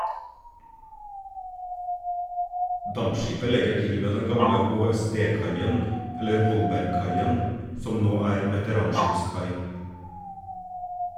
Dampskipet legger til ved den gamle HSD-kaien - eller Holbergkaien - som nå er veteranskipskai.